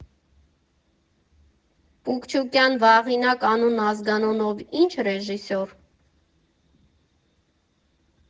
Պուկչուկյան Վաղինակ անուն֊ազգանունով ի՞նչ ռեժիսոր։